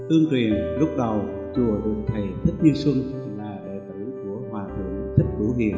tương truyền lúc đầu chùa được thầy thích như xuân là đệ tử của hòa thượng thích bữu điền